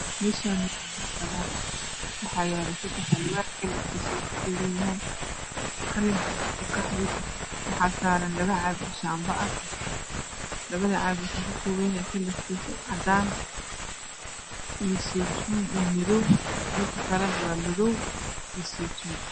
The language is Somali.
Mashan waa mel banan ah waxaa yalo labo alwax kalar kode waa qalin iyo qahwi waxaa saran labo caag kalar kode waa seytuun iyo cadan iyo madow